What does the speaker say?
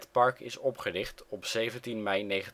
park is opgericht op 17 mei 1950